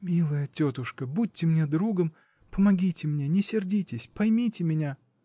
-- Милая тетушка, будьте мне другом, помогите мне, не сердитесь, поймите меня.